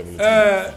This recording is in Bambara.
Ɛɛ